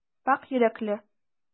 Пакь йөрәкле.